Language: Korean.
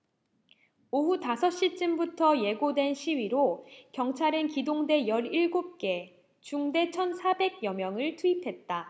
오후 다섯 시쯤부터 예고된 시위로 경찰은 기동대 열 일곱 개 중대 천 사백 여 명을 투입했다